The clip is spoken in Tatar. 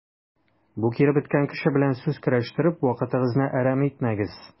Бу киребеткән кеше белән сүз көрәштереп вакытыгызны әрәм итмәгез.